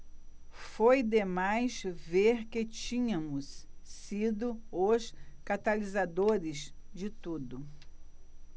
foi demais ver que tínhamos sido os catalisadores de tudo